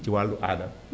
ci wàllu aada